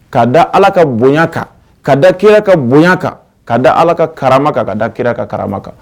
Ka da ala ka bonɲa kan . Ka da kira ka bonɲa . Kan ka da ala ka kara kan . Ka da kira ka karama kan.